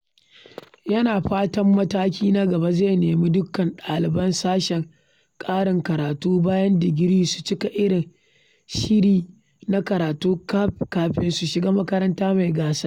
Yana fatan mataki na gaba, zai nemi dukkan ɗaliban sashen ƙarin karatu bayan digiri su cika irin shiri na karatun kafin su shiga makaranta mai gasar.